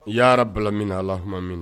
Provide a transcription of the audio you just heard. Yaa'ara bala min na alahmina na